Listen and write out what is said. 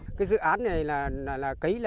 cái dự án này là là là cấy